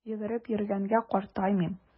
Йөгереп йөргәнгә картаймыйм!